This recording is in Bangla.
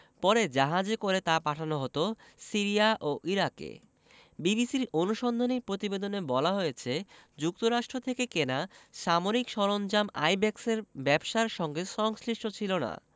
পরে জাহাজে করে তা পাঠানো হতো সিরিয়া ও ইরাকে বিবিসির অনুসন্ধানী প্রতিবেদনে বলা হয়েছে যুক্তরাষ্ট্র থেকে কেনা সামরিক সরঞ্জাম আইব্যাকসের ব্যবসার সঙ্গে সংশ্লিষ্ট ছিল না